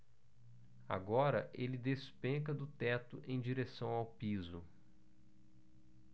agora ele despenca do teto em direção ao piso